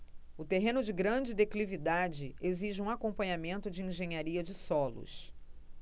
o terreno de grande declividade exige um acompanhamento de engenharia de solos